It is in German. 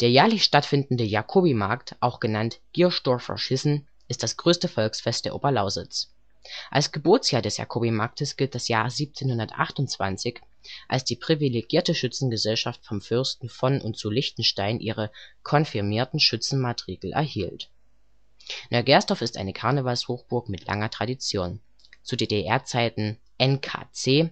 jährlich stattfindende Jacobimarkt (Gierschdurfer Schiss ` n) ist das größte Volksfest der Oberlausitz. Als Geburtsjahr des Jacobimarktes gilt das Jahr 1728, als die Privilegierte Schützengesellschaft vom Fürsten von und zu Liechtenstein ihre " confirmierten Schützenmatrikel " erhielt. Neugersdorf ist eine Karnevalshochburg mit langer Tradition: - zu DDR-Zeiten NKC